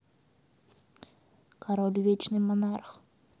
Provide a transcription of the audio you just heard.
король вечный монарх